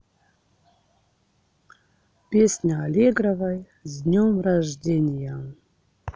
песня аллегровой с днем рождения